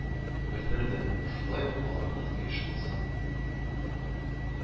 Белдерде, шулай ук аларның оешмасы